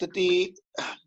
dydi